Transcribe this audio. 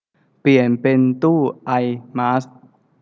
เปลี่ยนเป็นตู้ไอมาส